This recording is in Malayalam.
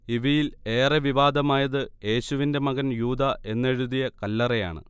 ഇവയിൽഏറെ വിവാദമായത് യേശുവിന്റെ മകൻ യൂദാ എന്നെഴുതിയ കല്ലറയാണ്